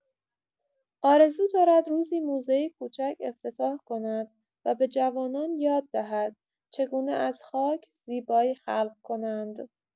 آرزو دارد روزی موزه‌ای کوچک افتتاح کند و به جوانان یاد دهد چگونه از خاک، زیبایی خلق کنند.